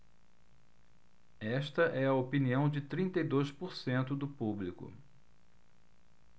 esta é a opinião de trinta e dois por cento do público